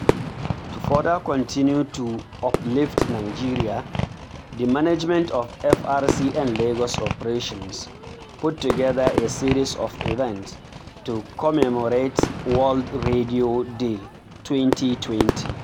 To further continue to uplift Nigeria, the management of FRCN Lagos Operations put together a series of events to commemorate World Radio Day 2020.